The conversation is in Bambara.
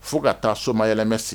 Fo ka taa so ma yɛlɛmɛ sen